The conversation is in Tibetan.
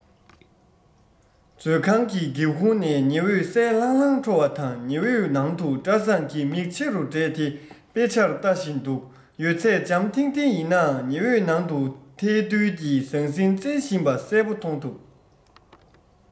མཛོད ཁང གི སྒེའུ ཁུང ནས ཉི འོད གསལ ལྷང ལྷང འཕྲོ བ དང ཉི འོད ནང དུ བཀྲ བཟང གིས མིག ཆེ རུ བགྲད དེ དཔེ ཆར ལྟ བཞིན འདུག ཡོད ཚད འཇམ ཐིང ཐིང ཡིན ནའང ཉི འོད ནང དུ ཐལ རྡུལ གྱི ཟང ཟིང རྩེན བཞིན པ གསལ པོ མཐོང ཐུབ